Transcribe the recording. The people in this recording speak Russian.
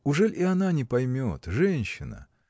Ужели и она не поймет: женщина!